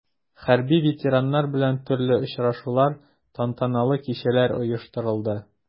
Хәрби ветераннар белән төрле очрашулар, тантаналы кичәләр оештырылды.